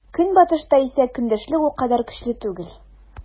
Көнбатышта исә көндәшлек ул кадәр көчле түгел.